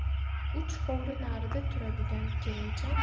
uch hovli narida turadigan kelinchak